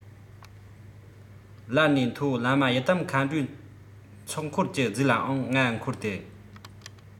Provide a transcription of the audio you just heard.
ལར ནས མཐོ བླ མ ཡི དམ མཁའ འགྲོའི ཚོགས འཁོར གྱི རྫས ལའང ང འཁོར སྟེ